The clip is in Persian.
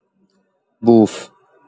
بوف